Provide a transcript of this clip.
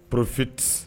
Purrofinti